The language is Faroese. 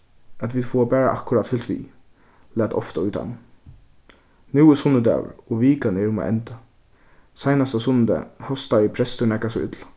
at vit fáa bara akkurát fylgt við læt ofta í teimum nú er sunnudagur og vikan er um at enda seinasta sunnudag hostaði prestur nakað so illa